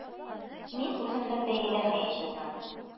Мин үземне бәяләмәячәкмен.